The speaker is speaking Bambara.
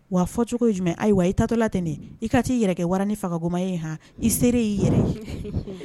Wa fɔ cogo jumɛn ayiwa wa i tato la ten i ka t' i yɛrɛ kɛ wara ni fa kakoma ye h i seraere y'i yɛrɛ